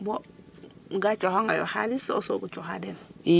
so wo ga coxango yo xaliss so o sogo coxa den